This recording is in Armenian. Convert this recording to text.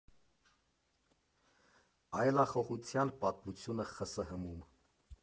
Այլախոհության պատմությունը ԽՍՀՄ֊ում։